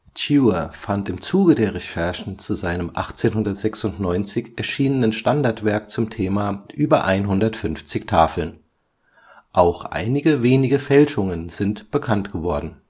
Tuer fand im Zuge der Recherchen zu seinem 1896 erschienenen Standardwerk zum Thema über 150 Tafeln. Auch einige wenige Fälschungen sind bekannt geworden